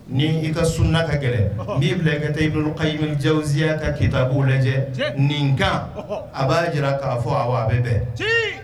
Ni i ka sun ka gɛrɛ n'i ye bilakɛta kab jaya ka keyita' lajɛ nin nka a b'a jira k'a fɔ wa a bɛ bɛn